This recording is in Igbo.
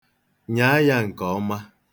Nyaa ya nke ọma.